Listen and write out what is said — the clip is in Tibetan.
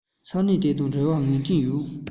ས གནས དེ དང འབྲེལ བ ངེས ཅན ཡོད